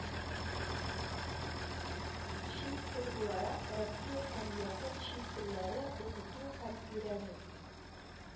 “чит тел буларак россия һәм якын чит ил телләре: укыту һәм өйрәнү”,